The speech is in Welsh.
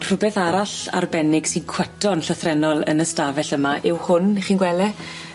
Rhwbeth arall arbennig sy'n cwato yn llythrennol yn y stafell yma yw hwn, chi'n gwel' e?